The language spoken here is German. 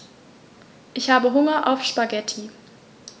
Ich habe Hunger auf Spaghetti.